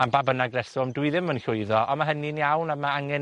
am ba bynnag reswm, dwi ddim yn llwyddo, on' ma' hynny'n iawn, a ma' angen